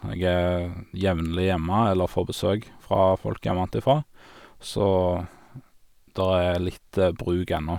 Jeg er jevnlig hjemme, eller får besøk fra folk hjemmantifra, så der er litt bruk ennå.